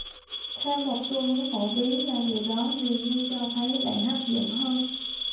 theo một xu hướng phổ biến là điều đó dường như cho thấy bạn hấp dẫn hơn